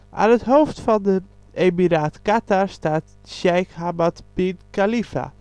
Aan het hoofd van het emiraat Qatar staat Sheikh Hamad bin Khalifa